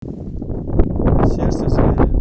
сердце зверя